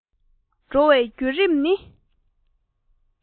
འགྲོ བའི བརྒྱུད རིམ ནི